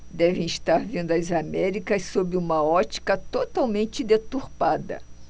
devem estar vendo as américas sob uma ótica totalmente deturpada